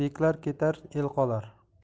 beklar ketar el qolar